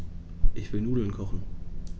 Ich will Nudeln kochen.